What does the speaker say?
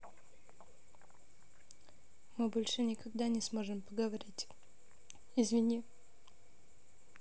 мы больше никогда не сможем поговорить извини